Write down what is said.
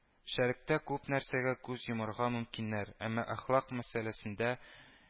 Шәрекътә күп нәрсәгә күз йомарга мөмкиннәр, әмма әхлак мәсьәләсендә